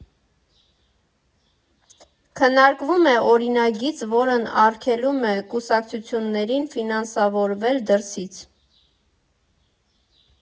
Քննարկվում է օրինագիծ, որն արգելում է կուսակցություններին ֆինանսավորվել դրսից։